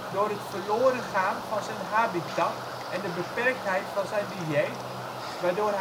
door het verloren gaan van zijn habitat en de beperktheid van zijn dieet, waardoor